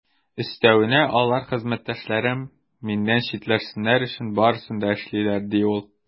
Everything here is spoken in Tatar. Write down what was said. Өстәвенә, алар хезмәттәшләрем миннән читләшсеннәр өчен барысын да эшлиләр, - ди ул.